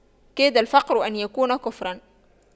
كاد الفقر أن يكون كفراً